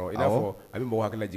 Bɛ